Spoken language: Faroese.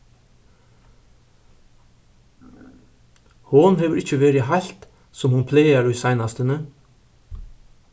hon hevur ikki verið heilt sum hon plagar í seinastuni